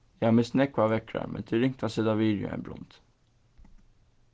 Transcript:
eg havi mist nógvar veðrar men tað er ringt at seta virðið á ein brund